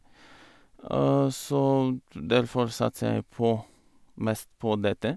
Så t derfor satser jeg på mest på dette.